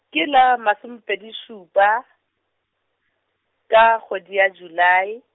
ke la masomepedi šupa, ka kgwedi ya Julae.